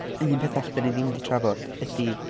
Un peth falle dan ni ddim 'di trafod ydy...